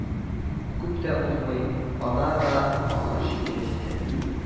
Күп тә узмый, ана да ахыр чиккә җитә